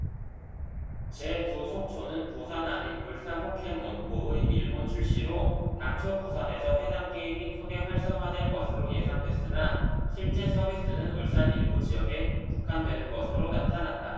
제 두 속초는 부산 아닌 울산포켓몬 고의 일본 출시로 당초 부산에서 해당 게임이 크게 활성화될 것으로 예상됐으나 실제 서비스는 울산 일부 지역에 국한되는 것으로 나타났다